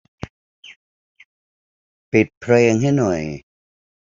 ปิดเพลงให้หน่อย